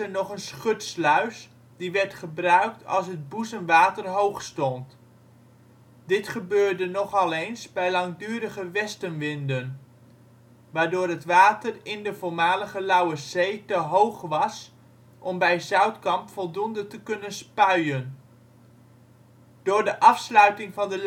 nog een schutsluis, die werd gebruikt als het boezemwater hoog stond. Dit gebeurde nogal eens bij langdurige westenwinden, waardoor het water in de voormalige Lauwerszee te hoog was om bij Zoutkamp voldoende te kunnen spuien. Door de afsluiting van de